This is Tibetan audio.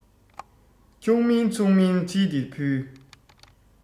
འཁྱུག མིན ཚུགས མིན བྲིས ཏེ ཕུལ